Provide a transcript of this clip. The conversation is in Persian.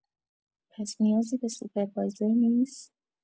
پس نیازی به سوپروایزر نیست؟